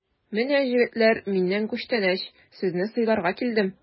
Менә, җегетләр, миннән күчтәнәч, сезне сыйларга килдем!